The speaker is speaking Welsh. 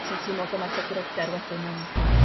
Ti'n teimlo gymaint o gryfder wedyn yn